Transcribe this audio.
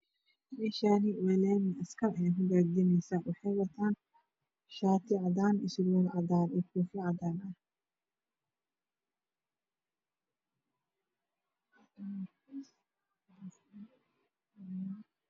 Meshani waa lami askar aya kugardineyso waxey watan shati cadan ah io sarwal cadan ah io koofi cadan ah